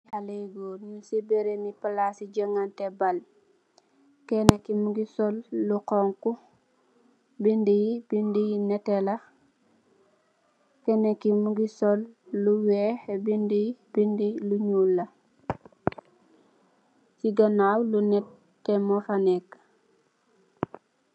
Khaleh yu gorr nyunge si palasi jonganteh bal kenaki munge sul lu xhong khu binduh yi binduh yu neteh la kenaki munge sul lu wekh bin ndeh yi lu nyull la